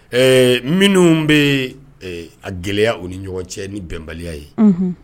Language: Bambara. Minnu bɛ a gɛlɛya u ni ɲɔgɔn cɛ ni bɛnbaliya ye